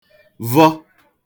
vọ